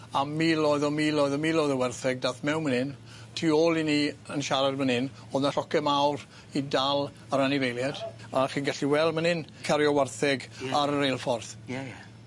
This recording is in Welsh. A miloedd o miloedd o miloedd o wartheg dath mewn myn' 'yn tu ôl i ni yn siarad myn' 'yn o'dd 'na lloce mawr i dal yr anifeiliaid a chi'n gallu weld myn' 'yn cario wartheg... Ie. ...ar y reilffordd. Ie ie.